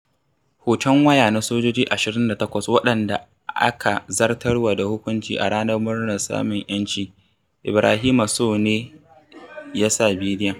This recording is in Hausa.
Hoton waya na sojoji 28 waɗanda aka zartarwa da hukunci a Ranar Murnar Samun 'Yanci - Ibrahima Sow ne ya sa bidiyon.